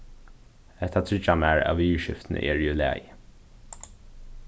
hetta tryggjar mær at viðurskiftini eru í lagi